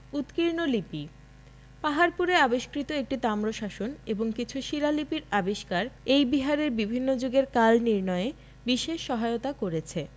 উৎকীর্ণ লিপি পাহাড়পুরে আবিষ্কৃত একটি তাম্রশাসন এবং কিছু শিলালিপির আবিষ্কার এই বিহারের বিভিন্ন যুগের কাল নির্ণয়ে বিশেষ সহায়তা করেছে